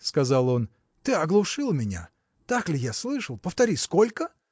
– сказал он, – ты оглушил меня: так ли я слышал? повтори, сколько?